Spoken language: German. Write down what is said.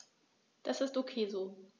Das ist ok so.